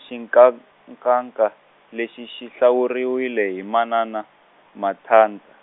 xinkankanka lexi xi hlawuriwile hi manana, Manthata.